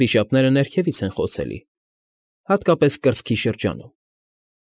Վիշապները ներքևից են խոցելի, հատկապես… հատկապես կրծքի շրջանում։